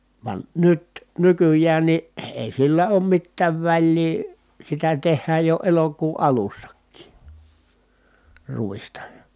vaan nyt nykyään niin ei sillä ole mitään väliä sitä tehdään jo elokuun alussakin ruista